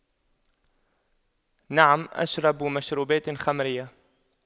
نعم أشرب مشروبات خمرية